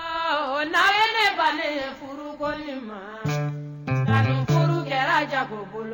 Ɔ la wele falen furuk ma ani furu kɛra jago bolo